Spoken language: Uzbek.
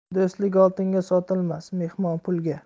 do'stlik oltinga sotilmas mehmon pulga